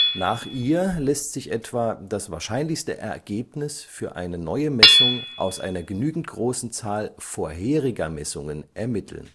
Nach ihr lässt sich etwa das wahrscheinlichste Ergebnis für eine neue Messung aus einer genügend großen Zahl vorheriger Messungen ermitteln